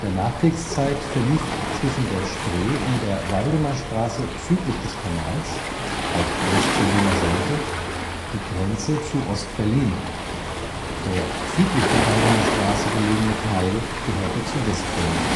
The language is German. Nachkriegszeit verlief zwischen der Spree und der Waldemarstraße südlich des Kanals (auf West-Berliner Seite) die Grenze zu Ost-Berlin, der südlich der Waldemarstraße gelegene Teil gehörte zu West-Berlin